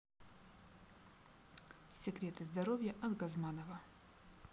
секреты здоровья от газманова